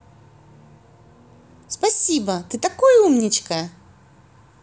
спасибо ты такой умничка